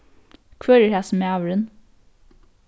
hvør er hasin maðurin